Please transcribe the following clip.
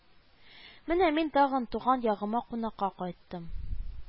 Менә мин тагын туган ягыма кунакка кайттым